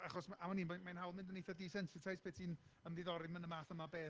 achos am ŵn i mae'n mae'n hawdd mynd yn eitha de-sensitized pryd ti'n ymddiddori m- yn y math yma o beth